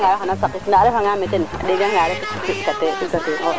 ne de mbiyat na xa doom i soxla a te produit